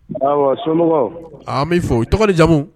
Awɔ somɔgɔw ? An bi fɔ i tɔgɔ ni jamu?